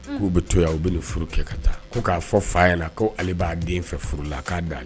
K'u bɛ toya u bɛ furu kɛ ka taa ko k'a fɔ fa' ɲɛna koale b'a den fɛ furu la k'a'ale